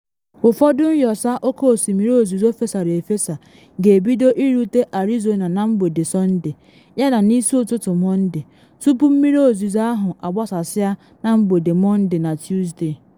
Ụfọdụ nyọsa oke mmiri ozizo fesara efesa ga-ebido irute Arizona na mgbede Sọnde yana n’isi ụtụtụ Mọnde, tupu mmiri ozizo ahụ agbasasịa na mgbede Mọnde na Tusde.